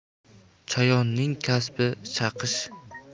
chayonning kasbi chaqish